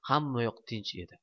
hammayoq tinch edi